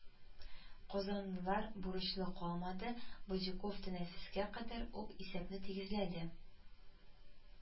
Казанлылар бурычлы калмады, Бадюков тәнәфескә кадәр үк исәпне тигезләде